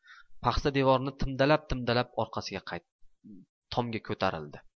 paxsa devorni timdalab timdalab tomga ko'tarildi